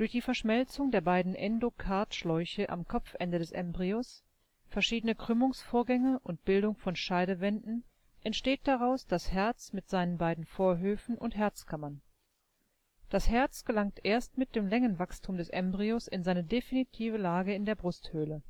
die Verschmelzung der beiden Endokardschläuche am Kopfende des Embryos, verschiedene Krümmungsvorgänge und Bildung von Scheidewänden entsteht daraus das Herz mit seinen beiden Vorhöfen und Herzkammern. Das Herz gelangt erst mit dem Längenwachstum des Embryos in seine definitive Lage in der Brusthöhle